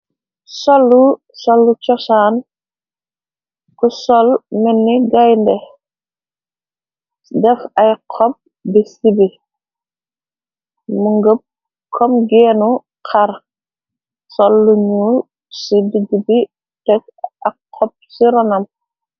Sollu, sollu cosaan ku sol melni gaide, def ay xob bi cibi mu ngëb kom genu xar sol lu ñuul ci diggi bi teg ak xob ci ronam.